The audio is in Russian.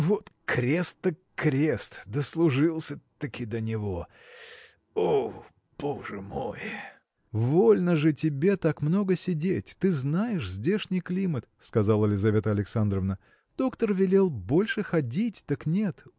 Вот крест так крест: дослужился-таки до него! Ох, боже мой!. – Вольно же тебе так много сидеть ты знаешь здешний климат – сказала Лизавета Александровна – доктор велел больше ходить так нет